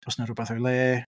Oes 'na rywbeth o'i le.